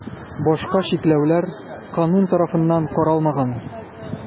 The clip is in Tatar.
Башка чикләүләр канун тарафыннан каралмаган.